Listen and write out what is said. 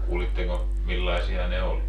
kuulitteko millaisia ne oli